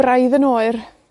braidd yn oer,